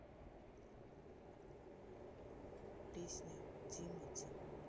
песня тимати